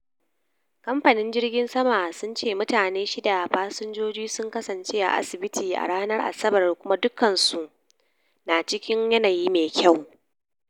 Kamfanin jiragen sama sun ce mutane shida fasinjoji sun kasance a asibiti a ranar Asabar, kuma dukansu su na cikin yanayi mai kyau.